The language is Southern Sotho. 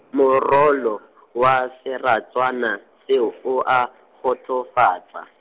moralo, wa seratswana seo, oa kgotsofatsa.